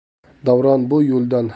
davron bu yo'ldan